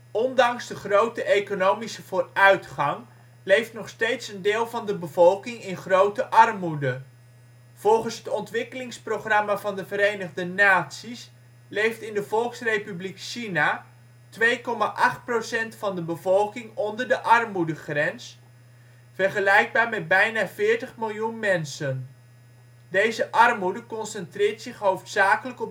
Ondanks de grote economische vooruitgang leeft nog steeds een deel van de bevolking in grote armoede. Volgens het Ontwikkelingsprogramma van de Verenigde Naties leeft in de Volksrepubliek China 2,8 % van de bevolking onder de armoedegrens, vergelijkbaar met bijna veertig miljoen mensen. Deze armoede concentreert zich hoofdzakelijk